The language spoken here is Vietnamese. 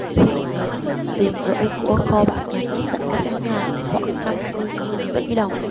hiện lượng tiền gửi của kho bạc nhà nước tại các ngân hàng khoảng năm mươi nghìn tỷ đồng